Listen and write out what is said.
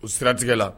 O siratigɛ la